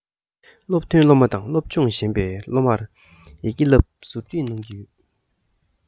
སློབ ཐོན སློབ མ སློབ མ དང སློབ སྦྱོང སློབ སྦྱོང ཞན པའི སློབ མ སློབ མར ཡི གེ བསླབ ཟུར ཁྲིད གནང གི ཡོད